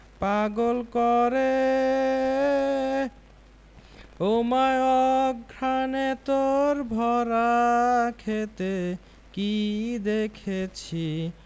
পাগল করে ওমা অঘ্রানে তোর ভরা ক্ষেতে কী দেখসি